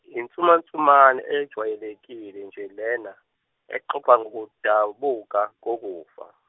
insumansumane ejwayelekile nje lena, exoxa ngokudabuka kokufa.